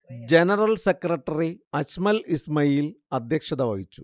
general secretary Ajmal Ismail അധ്യക്ഷത വഹിച്ചു